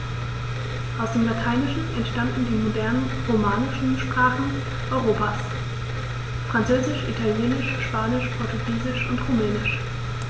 Aus dem Lateinischen entstanden die modernen „romanischen“ Sprachen Europas: Französisch, Italienisch, Spanisch, Portugiesisch und Rumänisch.